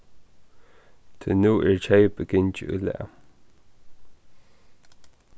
tí nú er keypið gingið í lag